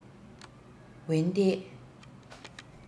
འོན ཏེ